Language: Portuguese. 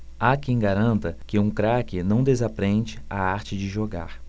há quem garanta que um craque não desaprende a arte de jogar